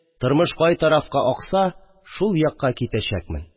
Тормыш кай тарафка акса, шул якка китәчәкмен